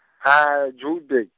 Joburg.